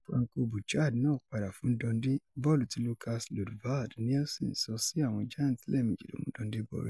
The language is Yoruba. Francois Bouchard náà padà fún Dundee. Bọ́ọlù tí Lukas Lundvald Nielsen sọ sí àwọ̀n Giants lẹ́ẹ̀mejì ló mu Dundee borí.